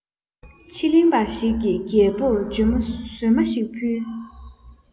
ཕྱི གླིང པ ཞིག གིས རྒྱལ པོར འཇོལ མོ བཟོས མ ཞིག ཕུལ